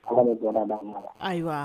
Ayiwa